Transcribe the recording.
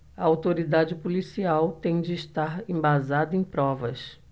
a autoridade policial tem de estar embasada em provas